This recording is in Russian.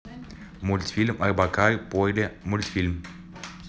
мультфильм робокар поли мультфильм